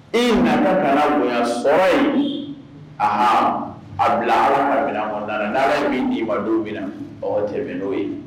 I nana taara bonyaya sɔrɔ in aa a bila na n'a yɛrɛ min' ma don min na ɔ cɛ n'o ye